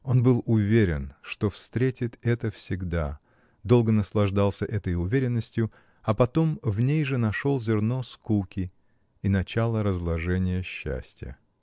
Он был уверен, что встретит это всегда, долго наслаждался этой уверенностью, а потом в ней же нашел зерно скуки и начало разложения счастья.